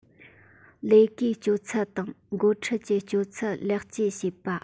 ལས ཀའི སྤྱོད ཚུལ དང འགོ ཁྲིད ཀྱི སྤྱོད ཚུལ ལེགས བཅོས བྱེད པ